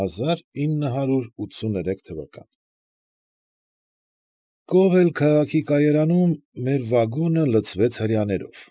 Հազար ինը հարյուր ութսուն երեք թվական Կովել քաղաքի կայարանում մեր վագոնը լցվեց հրեաներով։